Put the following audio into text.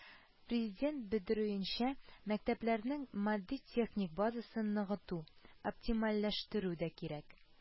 Президент бедерүенчә, мәктәпләрнең матди-техник базасын ныгыту, оптимальләштерү дә кирәк